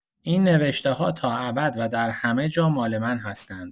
این نوشته‌ها تا ابد و در همه جا مال من هستند.